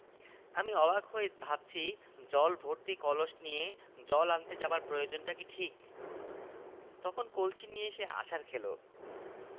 আমি অবাক হয়ে ভাবছি জল ভর্তি কলস নিয়ে জল আনতে যাবার প্রয়ােজনটি কি ঠিক তখন কলসি নিয়ে সে আছাড় খেলো